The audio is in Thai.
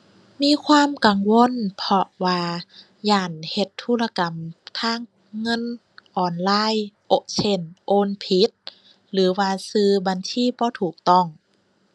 มีความกังวล เพราะว่าย้านเฮ็ดธุรกรรมทางเงินออนไลน์ โอะ เช่น โอนผิดหรือว่าชื่อบัญชีบ่ถูกต้อง